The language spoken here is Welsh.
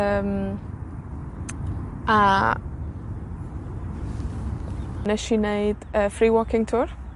Yym a nesh i neud yy free walking tour.